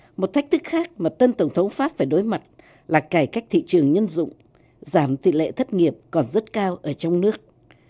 một thách thức khác mà tân tổng thống pháp phải đối mặt là cải cách thị trường nhân dụng giảm tỷ lệ thất nghiệp còn rất cao ở trong nước